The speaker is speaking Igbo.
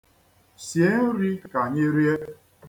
Sie nri ka anyị rie.